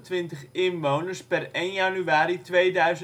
2328 inwoners (per 1 januari 2010